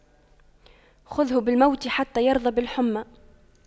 خُذْهُ بالموت حتى يرضى بالحُمَّى